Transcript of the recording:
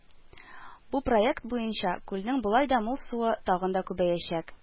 Бу проект буенча күлнең болай да мул суы тагын да күбәячәк